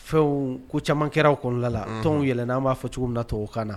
Fɛnw ko caman kɛraw kɔnɔna la tɔn yɛlɛ n'an b'a fɔ cogo min na tɔw kana na